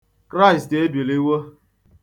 Kraịst ebiliwo.